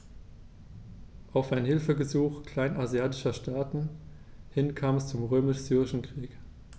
Auf ein Hilfegesuch kleinasiatischer Staaten hin kam es zum Römisch-Syrischen Krieg.